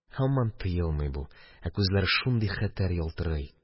Һаман тыелмый бу, ә күзләре шундый хәтәр ялтырый.